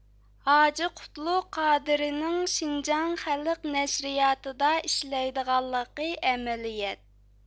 ھاجى قۇتلۇق قادىرىنىڭ شىنجاڭ خەلق نەشرىياتىدا ئىشلەيدىغانلىقى ئەمەلىيەت